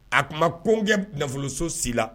A tun ma ko n kɛ nafoloso si la